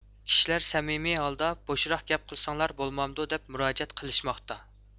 كىشىلەر سەمىمىي ھالدا بوشراق گەپ قىلساڭلار بولامدۇ دەپ مۇراجىئەت قىلىشماقتا